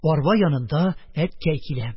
Арба янында әткәй килә...